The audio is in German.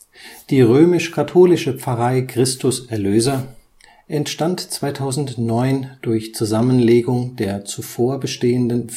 Die römisch-katholische Pfarrei Christus Erlöser entstand 2009 durch Zusammenlegung der zuvor bestehenden